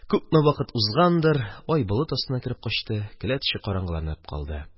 Күпме вакыт узгандыр, ай болыт астына кереп качты, келәт эче караңгыланып калды.